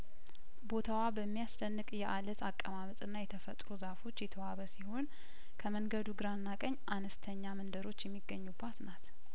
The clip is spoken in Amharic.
ቦታዋ በሚያስ ደንቅ የአለት አቀማመጥና የተፈጥሮ ዛፎች የተዋ በሲሆን ከመንገዱ ግራና ቀኝ አነስተኛ መንደሮች የሚገኙ ባትናት